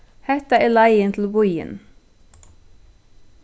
hetta er leiðin til býin